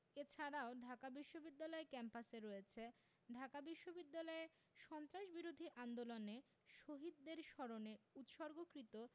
এ ছাড়াও ঢাকা বিশ্ববিদ্যালয় ক্যাম্পাসে রয়েছে ঢাকা বিশ্ববিদ্যালয়ে সন্ত্রাসবিরোধী আন্দোলনে শহীদদের স্মরণে উৎসর্গকৃত